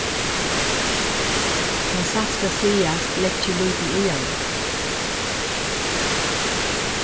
tá ið satt skal sigast leggi eg lítið í hana